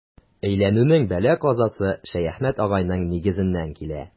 Өйләнүнең бәла-казасы Шәяхмәт агайның нигезеннән килә.